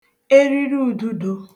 eririududō